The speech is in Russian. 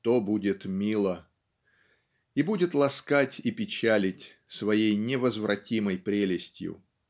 то будет мило" и будет ласкать и печалить своей невозвратимой прелестью.